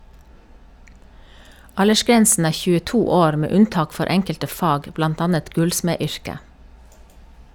Aldersgrensen er 22 år, med unntak for enkelte fag, blant annet gullsmedyrket.